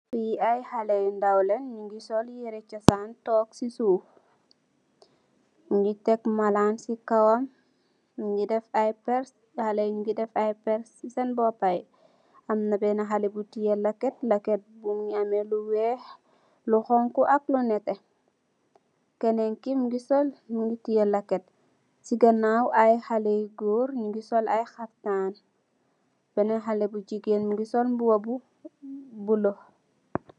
Bii aiiy haleh yu ndawlen njungy sol yereh chosan tok cii suff, njungy tek maalan cii kawam, njungy def aiiy pehrre, haleh yii njungy deff aiiy pehrre cii sen bopah yii, amna benah haleh bu tiyeh lehket lehket bii mungy ameh lu wekh, lu honhu ak lu nehteh, kenen kii mungy sol, mungy tiyeh lehket, cii ganaw aiiy haleh yu gorre njungy sol aiiy khaftan, benen haleh bu gigain mungy sol mbuba bu bleu.